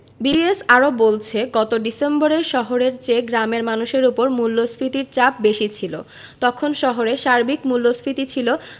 BBS আরও বলছে গত ডিসেম্বরে শহরের চেয়ে গ্রামের মানুষের ওপর মূল্যস্ফীতির চাপ বেশি ছিল তখন শহরে সার্বিক মূল্যস্ফীতি ছিল